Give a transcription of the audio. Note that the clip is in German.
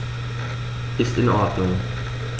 Ist in Ordnung.